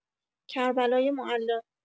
کربلای معلی